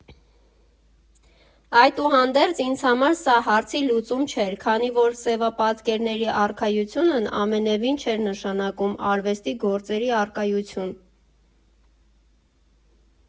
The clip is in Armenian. Այդուհանդերձ, ինձ համար սա հարցի լուծում չէր, քանի որ սևապատկերների առկայությունն ամենևին չէր նշանակում արվեստի գործերի առկայություն։